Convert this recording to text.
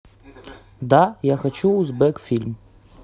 да я хочу узбек фильм